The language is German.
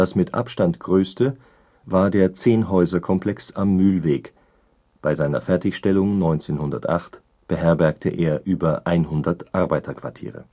mit Abstand größte war der Zehn-Häuser-Komplex am Mühlweg, bei seiner Fertigstellung 1908 beherbergte er über 100 Arbeiterquartiere